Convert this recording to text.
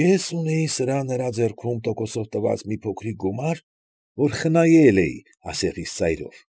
Ես ունեի սրա ու նրա ձեռքում տոկոսով տված մի փոքրիկ գումար, որ խնայել էի ասեղիս ծայրով։